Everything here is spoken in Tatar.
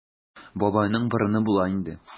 Бабайның борыны була инде.